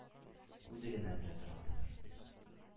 Үзе генә белә торгандыр.